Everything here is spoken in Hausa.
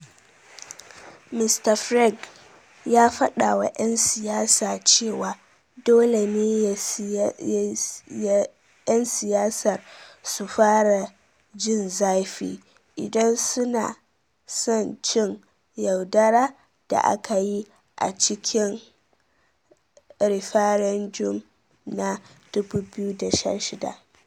Mr Farage ya fadawa 'yan siyasa cewa dole ne' yan siyasar su fara 'jin zafi' idan su na son cin yaudara da aka yi a cikin referendum na 2016.